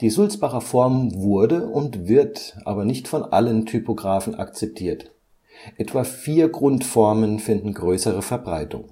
Sulzbacher Form wurde und wird aber nicht von allen Typographen akzeptiert. Etwa vier Grundformen finden größere Verbreitung